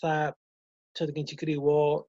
fatha t'd o'dd ginti griw o